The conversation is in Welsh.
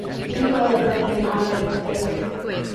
I bwy y dylem ni agor ein ffiniau?